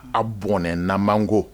A bɔnɛna man go